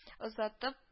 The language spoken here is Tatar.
Озатып